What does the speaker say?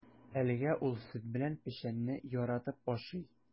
Әлегә ул сөт белән печәнне яратып ашый.